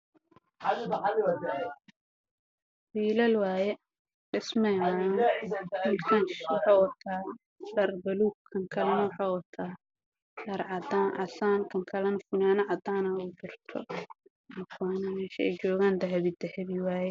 Waa niman wax dhisaayo shaar buluug ayuu wataan kan